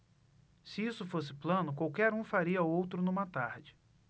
se isso fosse plano qualquer um faria outro numa tarde